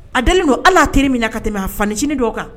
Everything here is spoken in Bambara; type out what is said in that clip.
A deli don ala a teri min na ka tɛmɛ a fan nicinin dɔw kan